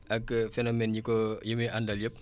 ak phénomènes yi ko yi muy àndal yëpp